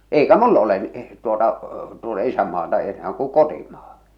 eikä minulla ole - tuota tuota isänmaata enää kun kotimaa